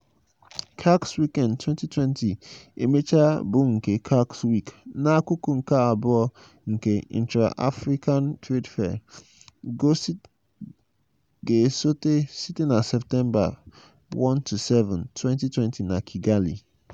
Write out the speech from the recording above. CAX Weekend 2020 e mechara bụ nke CAX Week n'akụkụ nke abụọ nke Intra-African Trade Fair (IATF2020) ga-esote site na Septemba 1-7, 2020, na Kigali.